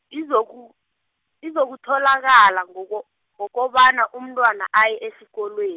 izoku- izikutholakala ngoko-, ngokobana umntwana aye esikolwen-.